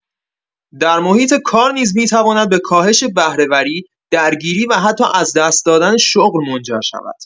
در محیط کار نیز می‌تواند به کاهش بهره‌وری، درگیری و حتی از دست دادن شغل منجر شود.